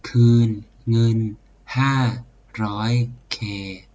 คืนเงินห้าร้อยเค